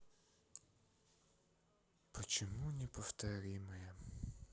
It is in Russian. почему неповторимая